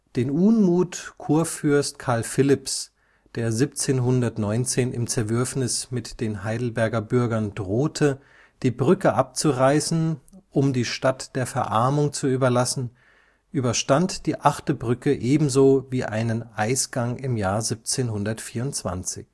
Den Unmut Kurfürst Karl Philipps, der 1719 im Zerwürfnis mit den Heidelberger Bürgern drohte, die Brücke abzureißen, um die Stadt der Verarmung zu überlassen, überstand die achte Brücke ebenso wie einen Eisgang im Jahr 1724. Sie